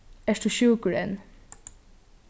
ert tú sjúkur enn